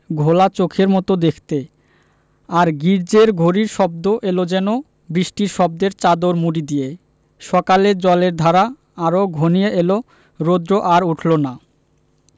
ঘোলা চোখের মত দেখতে আর গির্জ্জের ঘড়ির শব্দ এল যেন বৃষ্টির শব্দের চাদর মুড়ি দিয়ে সকালে জলের ধারা আরো ঘনিয়ে এল রোদ্র আর উঠল না